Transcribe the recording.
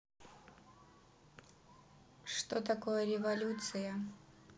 что такое революция